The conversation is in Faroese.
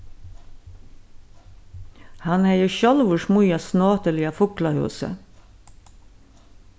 hann hevði sjálvur smíðað snotiliga fuglahúsið